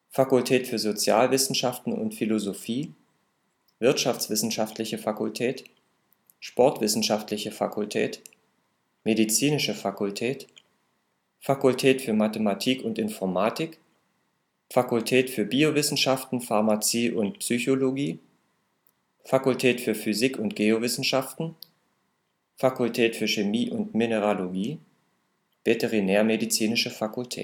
Fakultät für Sozialwissenschaften und Philosophie Wirtschaftswissenschaftliche Fakultät Sportwissenschaftliche Fakultät Medizinische Fakultät Fakultät für Mathematik und Informatik Fakultät für Biowissenschaften, Pharmazie und Psychologie Fakultät für Physik und Geowissenschaften Fakultät für Chemie und Mineralogie Veterinärmedizinische Fakultät